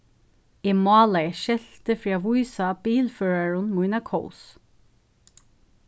eg málaði eitt skelti fyri at vísa bilførarum mína kós